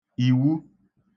ìwu